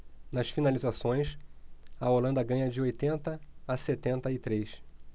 nas finalizações a holanda ganha de oitenta a sessenta e três